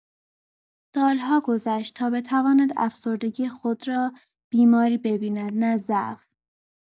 سال‌ها گذشت تا بتواند افسردگی خود را بیماری ببیند نه ضعف.